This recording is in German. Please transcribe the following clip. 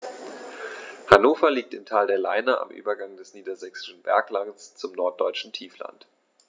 Hannover liegt im Tal der Leine am Übergang des Niedersächsischen Berglands zum Norddeutschen Tiefland.